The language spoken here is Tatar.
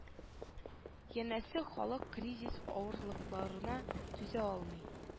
Янәсе халык кризис авырлыкларына түзә алмый